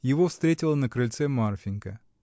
Его встретила на крыльце Марфинька.